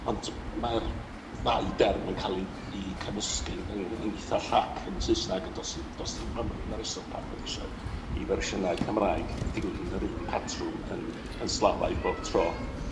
Ont ma'r ddau derm yn ca'l 'u 'u cymysgu'n yn yn itha llac yn Saesnag, a do's 'i- do's 'i'm reswm pam fod isio i fersiynau Cymraeg ddilyn yr un patrwm yn yn slafaidd bob tro.